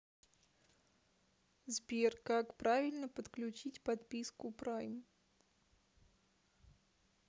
сбер как правильно подключить подписку прайм